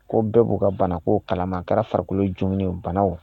Ko bɛɛ b'u ka bana ko kalamakara farikolo jumɛn banaw